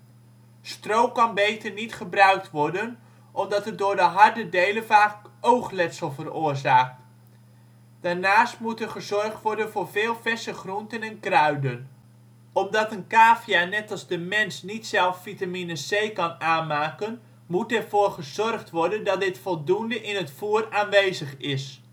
Stro kan beter niet gebruikt worden omdat het door de harde delen vaak oogletsel veroorzaakt. Daarnaast moet er gezorgd worden voor veel verse groenten en kruiden. Omdat een cavia, net als de mens, niet zelf vitamine C kan aanmaken moet ervoor gezorgd worden dat dit voldoende in het voer aanwezig is